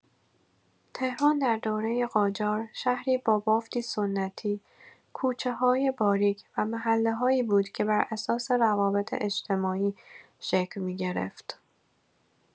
تهران در دوران قاجار شهری با بافتی سنتی، کوچه‌های باریک و محله‌هایی بود که بر اساس روابط اجتماعی شکل می‌گرفت.